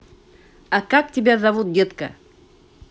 а как тебя зовут девка